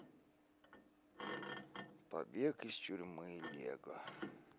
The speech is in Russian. побег из тюрьмы лего